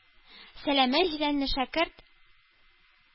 Сәләмә җиләнле шәкерт,